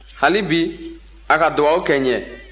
hali bi a ka dugaw kɛ n ye